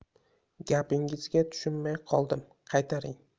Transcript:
gapingizga tushunmay qoldim qaytaring